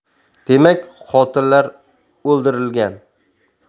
demak qotillar o'ldirilgan